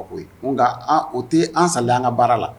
Nka nka o tɛ an sa an ka baara la